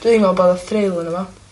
Dwi me'wl bod y thril yno fo.